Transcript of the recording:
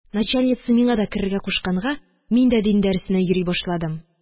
Начальница миңа да керергә кушканга, мин дә дин дәресенә йөри башладым.